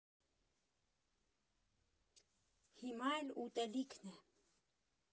Հիմա էլ ուտելիքն է։